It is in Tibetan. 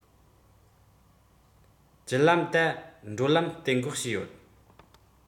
རྒྱུ ལམ ད བགྲོད ལམ གཏན འགོག བྱས ཡོད